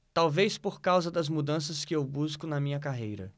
talvez por causa das mudanças que eu busco na minha carreira